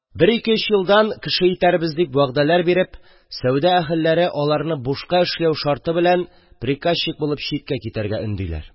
Бер-ике-өч елдан кеше итәрбез дип вәгъдәләр биреп, сәүдә әһелләре аларны бушка эшләү шарты белән приказчик булып читкә китәргә өндиләр.